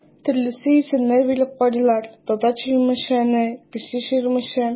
Төрле исемнәр биреп карыйлар: Татар Чирмешәне, Кече Чирмешән.